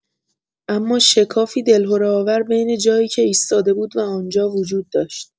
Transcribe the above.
اما شکافی دلهره‌آور بین جایی که ایستاده بود و آنجا وجود داشت.